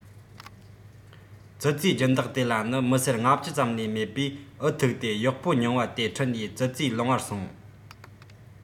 ཙི ཙིའི སྦྱིན བདག དེ ལ ནི མི སེར ལྔ བཅུ ཙམ ལས མེད པས འུ ཐུག སྟེ གཡོག པོ རྙིང པ དེ ཁྲིད ནས ཙི ཙིའི ལུང པར སོང